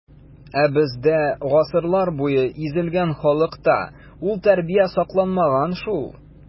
Ә бездә, гасырлар буе изелгән халыкта, ул тәрбия сакланмаган шул.